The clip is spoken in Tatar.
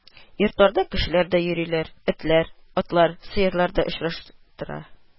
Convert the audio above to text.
Йортларда кешеләр дә йөриләр, этләр, атлар, сыерлар да очраштыра